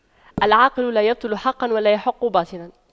العاقل لا يبطل حقا ولا يحق باطلا